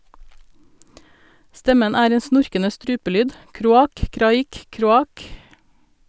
Stemmen er en snorkende strupelyd , kroak-kraik-kroak.